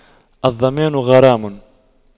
الضامن غارم